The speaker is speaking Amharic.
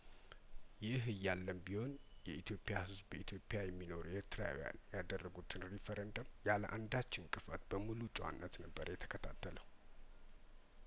ይህ እያለም ቢሆን የኢትዮፕያህዝብ በኢትዮጵያ የሚኖሩ ኤርትራውያን ያደረጉትን ሪፈረንደም ያለአንዳች እንቅፋት በሙሉ ጨዋነት ነበረ የተከታተለው